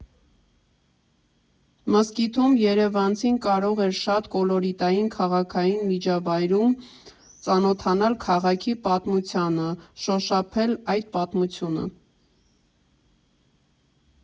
Մզկիթում երևանցին կարող էր շատ կոլորիտային քաղաքային միջավայրում ծանոթանալ քաղաքի պատմությանը, շոշափել այդ պատմությունը։